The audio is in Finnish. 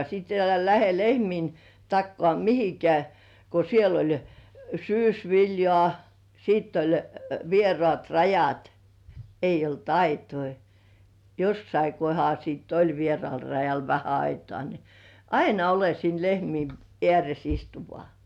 sitten älä lähde lehmien takaa mihinkään kun siellä oli syysviljaa sitten oli vieraat rajat ei ollut aitoja jossakin kohdalla sitten oli vieraalla rajalla vähän aitaa niin aina ole siinä lehmien ääressä istu vain